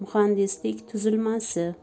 muhandislik tuzilmasi